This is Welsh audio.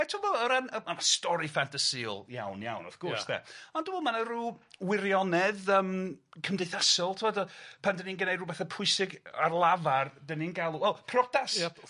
A t'mbo' o ran... Yy a ma' stori ffantasiol iawn iawn wrth gwrs... Ia. ... ond dw m'wl ma' na ryw wirionedd yym cymdeithasol ti'mod yy pan 'dan ni'n gneud ryw betha pwysig ar lafar 'dan ni'n galw wel, priodas... Ia.